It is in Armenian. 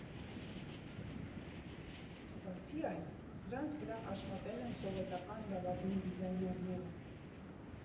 Բացի այդ, սրանց վրա աշխատել են սովետական լավագույն դիզայներները։